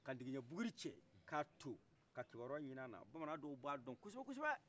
ka digijɛ buguri cɛ ka ton ka kibaruya ɲin'ala bamanan dɔw ba dɔn kosɛbɛ